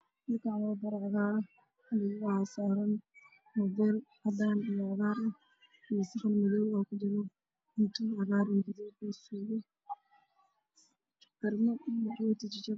Shan waxaa yaalo boor cagaar ah oo ay ku qoran tahay launch over all waxaa ku sawiran mobile iyo cuntooy